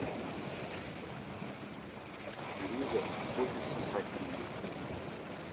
лиза будет сосать у меня